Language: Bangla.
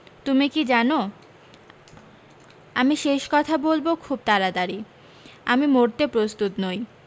তুমি কী জান আমি শেষ কথা বলব খুব তাড়াতাড়ি আমি মরতে প্রস্তুত নই